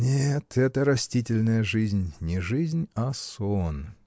Нет, это растительная жизнь, не жизнь, а сон.